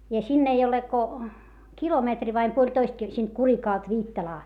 ja sinne ei ole kuin kilometri vai puolitoista - siitä Kurikalta Viittalaan